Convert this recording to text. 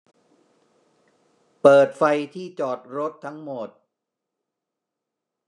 เปิดไฟที่จอดรถทั้งหมด